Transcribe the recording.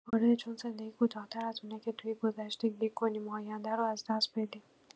آره، چون زندگی کوتاه‌تر از اونه که توی گذشته گیر کنیم و آینده رو از دست بدیم.